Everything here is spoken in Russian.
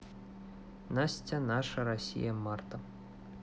настя наша россия марта